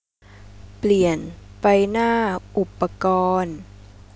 เปลี่ยนไปหน้าอุปกรณ์